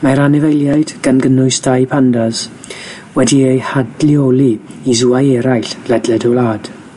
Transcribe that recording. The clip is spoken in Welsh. Mae'r anifeiliaid, gan gynnwys dau pandas, wedi eu hadleoli i sŵau eraill ledled y wlad.